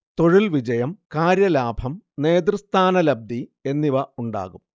തൊഴിൽ വിജയം, കാര്യലാഭം, നേതൃസ്ഥാനലബ്ധി എന്നിവ ഉണ്ടാകും